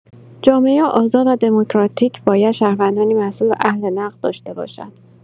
جامعه آزاد و دموکراتیک باید شهروندانی مسئول و اهل نقد داشته باشد.